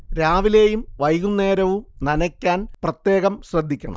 രാവിലെയും വൈകുന്നേരവും നനയ്ക്കാൻ പ്രത്യേകം ശ്രദ്ധിക്കണം